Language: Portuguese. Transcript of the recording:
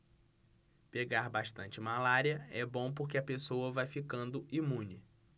pegar bastante malária é bom porque a pessoa vai ficando imune